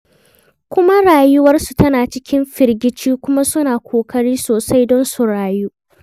Kuma rayuwarsu tana cikin firgici kuma suna ƙoƙari sosai don su rayu.